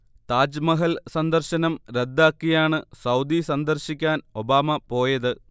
താജ്മഹൽ സന്ദർശനം റദ്ദാക്കിയാണ് സൗദി സന്ദർശിക്കാൻ ഒബാമ പോയത്